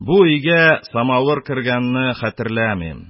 Бу өйгә самовар кергәнен хәтерләмим,